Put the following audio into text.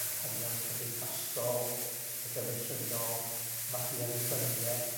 anghenion cymdeithasol, ag emosiynol magu, annibynieth.